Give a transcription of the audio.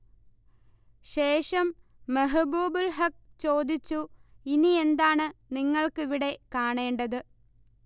ശേഷം മെഹ്ബൂബുൽ ഹഖ് ചേദിച്ചു: ഇനിയെന്താണ് നിങ്ങൾക്ക് ഇവിടെ കാണേണ്ടത്